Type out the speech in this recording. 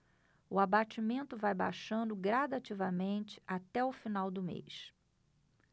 o abatimento vai baixando gradativamente até o final do mês